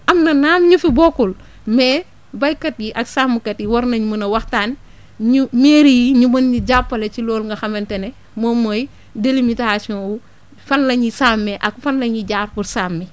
am na naam ñu fi bokkul mais baykat yi ak sàmmkat yi war nañ mën a waxtaan ñu mairies yi ñu mën ñu jàppale ci loolu nga xamante ne moom mooy délimitation wu fan la ñuy sàmmee ak fan la ñuy jaar pour sàmmi